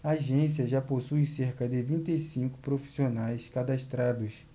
a agência já possui cerca de vinte e cinco profissionais cadastrados